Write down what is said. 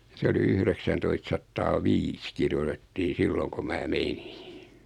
se oli yhdeksäntoistasataa viisi kirjoitettiin silloin kun minä menin